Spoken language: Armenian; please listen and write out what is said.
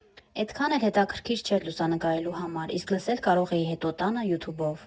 Էդքան էլ հետաքրքիր չէր լուսանկարելու համար, իսկ լսել կարող էի հետո տանը՝ յութուբով։